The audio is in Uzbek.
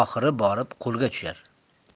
oxiri borib qo'lga tushar